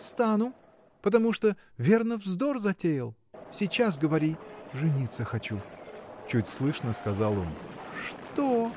— Стану, потому что, верно, вздор затеял. Сейчас говори. — Жениться хочу! — чуть слышно сказал он. — Что?